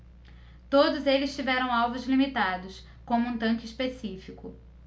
todos eles tiveram alvos limitados como um tanque específico